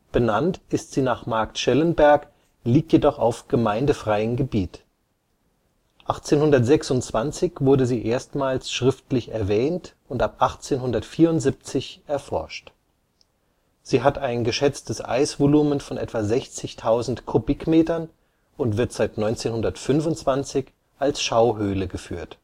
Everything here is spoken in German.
Benannt ist sie nach Marktschellenberg, liegt jedoch auf gemeindefreiem Gebiet. 1826 wurde sie erstmals schriftlich erwähnt und ab 1874 erforscht. Sie hat ein geschätztes Eisvolumen von etwa 60.000 Kubikmetern und wird seit 1925 als Schauhöhle geführt